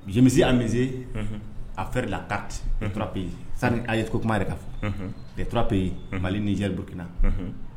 Zmisi a minz a fɛ la kaura bɛye sani ayi ye ko kuma yɛrɛ ka fɔ bɛɛurap yen mali ni jeliwurukina